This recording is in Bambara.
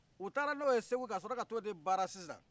u taara n'oye segu ka sɔrɔ ka t'o de bara sisan